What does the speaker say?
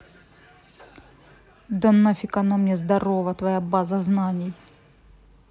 да нафиг оно мне здарова твоя база знаний